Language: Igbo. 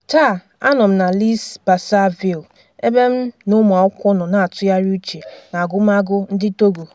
Taa anọ m na lycée Bassar Ville ebe m na ụmụ akwụkwọ nọ na-atụghari uche na agụmagụ ndị Togo.